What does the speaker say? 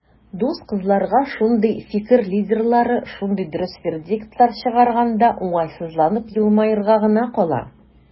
Дус кызларга шундый "фикер лидерлары" шундый дөрес вердиктлар чыгарганда, уңайсызланып елмаерга гына кала.